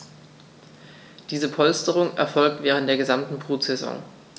Diese Polsterung erfolgt während der gesamten Brutsaison.